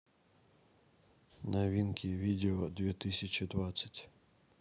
новинки видео две тысячи двадцать